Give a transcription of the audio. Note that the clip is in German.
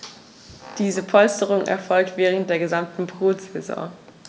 Diese Polsterung erfolgt während der gesamten Brutsaison.